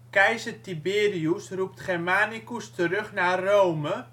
Keizer Tiberius roept Germanicus terug naar Rome